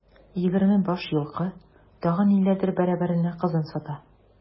Егерме баш елкы, тагын ниләрдер бәрабәренә кызын сата.